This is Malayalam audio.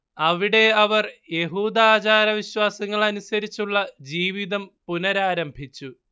അവിടെ അവർ യഹൂദാചാരവിശ്വാസങ്ങൾ അനുസരിച്ചുള്ള ജീവിതം പുനരാരംഭിച്ചു